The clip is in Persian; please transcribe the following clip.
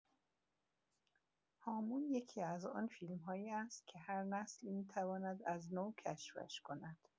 «هامون» یکی‌از آن فیلم‌هایی است که هر نسلی می‌تواند از نو کشفش کند.